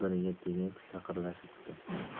biriga tegib shaqirlashibdi